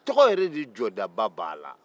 tɔgɔ yɛrɛ de jɔdaba b'a la